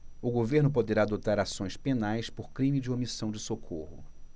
o governo poderá adotar ações penais por crime de omissão de socorro